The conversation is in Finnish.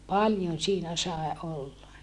paljon siinä sai olla